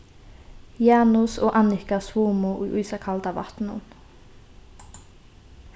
janus og annika svumu í ísakalda vatninum